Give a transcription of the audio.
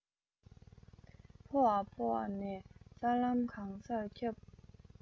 ཕོ བ ཕོ བ ནས རྩ ལམ གང སར ཁྱབ